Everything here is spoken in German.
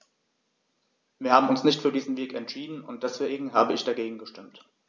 Wir haben uns nicht für diesen Weg entschieden, und deswegen habe ich dagegen gestimmt.